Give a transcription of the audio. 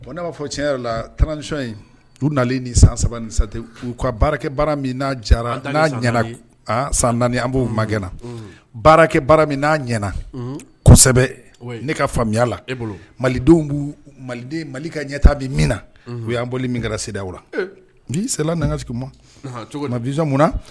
O ne b'a fɔ tiɲɛ yɛrɛ la tan du nalen ni san saba sate uu ka baarakɛ bara min jara n'a san naani an b'o magɛnna baarakɛ bara min'a ɲɛna kosɛbɛ ne ka faamuyaya la malidenw bɛu maliden mali ka ɲɛta bɛ min na u y'an boli min kɛra sira la ni sera nanati cogo masɔn mun